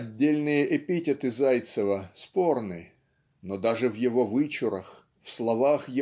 Отдельные эпитеты Зайцева спорны но даже в его вычурах в словах